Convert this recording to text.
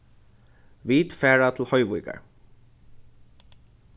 vit fara til hoyvíkar